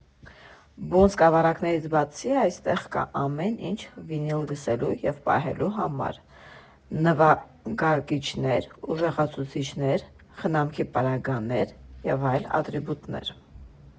Բուն սկավառակներից բացի, այստեղ կա ամեն ինչ վինիլ լսելու և պահելու համար՝ նվագարկիչներ, ուժեղացուցիչներ, խնամքի պարագաներ և այլ ատրիբուտներ։